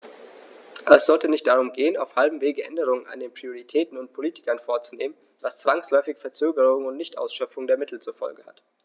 Es sollte nicht darum gehen, auf halbem Wege Änderungen an den Prioritäten und Politiken vorzunehmen, was zwangsläufig Verzögerungen und Nichtausschöpfung der Mittel zur Folge hat.